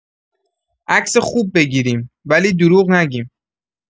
عکس خوب بگیریم، ولی دروغ نگیم.